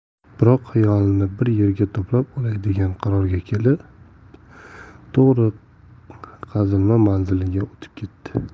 biroq xayolimni bir yerga to'plab olay degan qarorga kelib to'g'ri qazilma manziliga o'tib ketdi